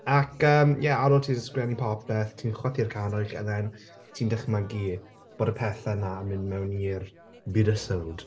Ac yym ie ar ôl ti 'di sgrifennu popeth ti'n chwythu'r canwyll, and then ti'n dychmygu bod y pethau yna'n mynd mewn i'r bydysawd.